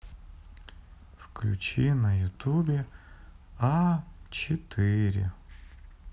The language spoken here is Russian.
включи на ютубе а четыре